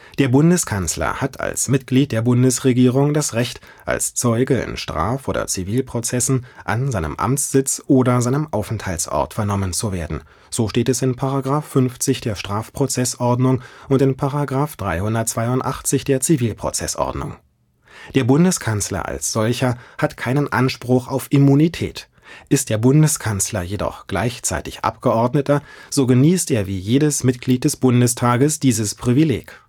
Der Bundeskanzler hat als Mitglied der Bundesregierung das Recht, als Zeuge in Straf - und Zivilprozessen an seinem Amtssitz oder seinem Aufenthaltsort vernommen zu werden (§ 50 der Strafprozessordnung, § 382 der Zivilprozessordnung). Der Bundeskanzler als solcher hat keinen Anspruch auf Immunität; ist der Bundeskanzler jedoch gleichzeitig Abgeordneter, so genießt er wie jedes Mitglied des Bundestages dieses Privileg